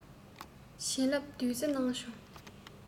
བྱིན བརླབས བདུད རྩི གནང བྱུང